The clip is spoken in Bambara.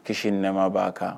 Kisi ni nɛma b'a kan